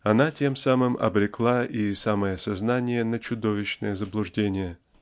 она тем самым обрекла и самое сознание на чудовищные заблуждения.